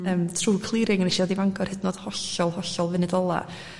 yym trw clearing neshi ddod i Fangor hyd yn oed hollol hollol funud ola